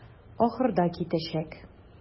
Ахырда китәчәк.